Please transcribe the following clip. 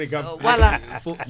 foofu da dama ko si bugg a yokkal